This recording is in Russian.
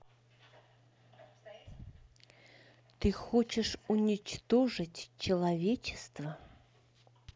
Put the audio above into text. ты хочешь уничтожить человечество